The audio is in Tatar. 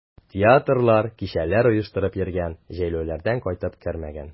Театрлар, кичәләр оештырып йөргән, җәйләүләрдән кайтып кермәгән.